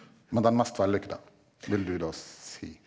men den mest vellykkede vil du da si.